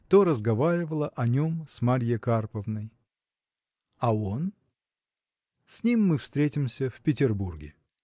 то разговаривала о нем с Марьей Карповной. А он? С ним мы встретимся в Петербурге.